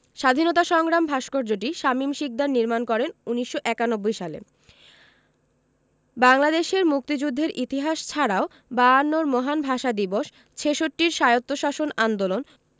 স্বাধীনতা সংগ্রাম ভাস্কর্যটি শামীম শিকদার নির্মাণ করেন ১৯৯১ সালে বাংলাদেশের মুক্তিযুদ্ধের ইতিহাস ছাড়াও বায়ান্নর মহান ভাষা দিবস ছেষট্টির স্বায়ত্তশাসন আন্দোলন